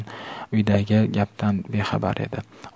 uydagi gapdan bexabar edi